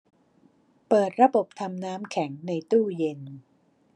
เปิดระบบทำน้ำแข็งในตู้เย็น